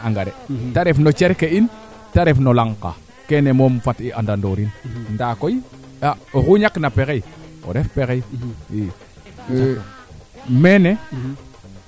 woxey roka no bakaad Djiby yaam ka nande xooxof mbelong ndaa mumeen fee na jalan mbelirang ga'aam sax Djiby waa ando naye bilakhi